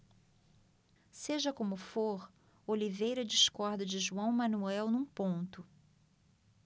seja como for oliveira discorda de joão manuel num ponto